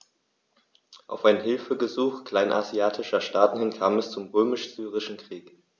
Auf ein Hilfegesuch kleinasiatischer Staaten hin kam es zum Römisch-Syrischen Krieg.